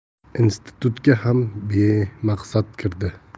institutga ham bemaqsad kirdi